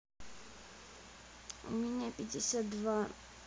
у меня пятьдесят два